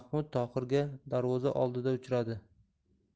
tohirga darvoza oldida uchradi